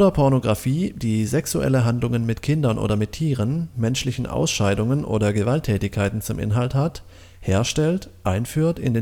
Pornografie, die sexuelle Handlungen mit Kindern oder mit Tieren, menschlichen Ausscheidungen oder Gewalttätigkeiten zum Inhalt hat, herstellt, einführt, in